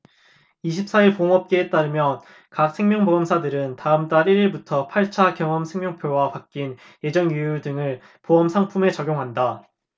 이십 사 일 보험업계에 따르면 각 생명보험사들은 다음달 일 일부터 팔 차 경험생명표와 바뀐 예정이율 등을 보험상품에 적용한다